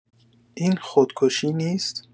این خودکشی نیست؟